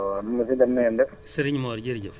ah waaw waaw monsieur Deme na ngeen def